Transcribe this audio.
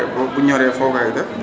pare boobu bu ñoree foo koy def